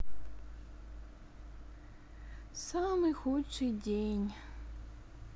самый худший день